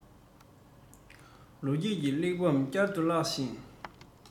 ལོ རྒྱུས ཀྱི གླེགས བམ བསྐྱར དུ བཀླགས ཤིང